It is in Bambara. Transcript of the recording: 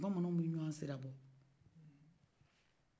bamananw bɛ ɲɔngon sira bɔ